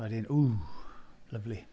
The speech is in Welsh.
A wedyn, w lyfli.